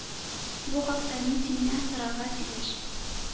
— бу хакта мин синнән сорарга тиеш!